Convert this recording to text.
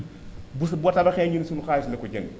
bu su boo tabaxee ñu ne sunu xaalis la ko jënd